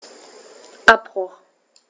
Abbruch.